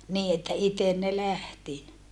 niin että itse ne lähti